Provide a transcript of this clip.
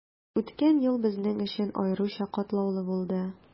Үткән ел безнең өчен аеруча катлаулы булды.